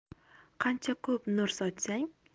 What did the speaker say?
qancha ko'p nur sochsang